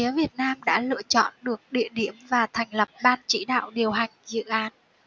việt nam đã lựa chọn được địa điểm và thành lập ban chỉ đạo điều hành dự án